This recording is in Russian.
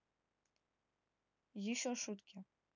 еще шутки